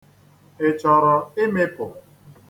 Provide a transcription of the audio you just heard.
Ị chọrọ ịmịpụ?